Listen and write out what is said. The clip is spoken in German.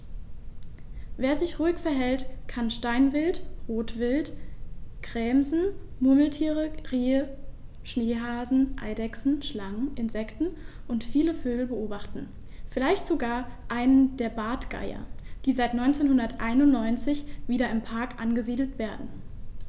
Wer sich ruhig verhält, kann Steinwild, Rotwild, Gämsen, Murmeltiere, Rehe, Schneehasen, Eidechsen, Schlangen, Insekten und viele Vögel beobachten, vielleicht sogar einen der Bartgeier, die seit 1991 wieder im Park angesiedelt werden.